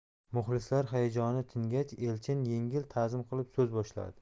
muxlislar hayajoni tingach elchin yengil ta'zim qilib so'z boshladi